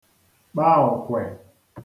kpa ọ̀kwè